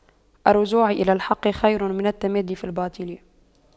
الرجوع إلى الحق خير من التمادي في الباطل